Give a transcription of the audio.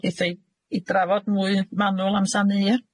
Geitho i i drafod mwy manwl amsar ny ia?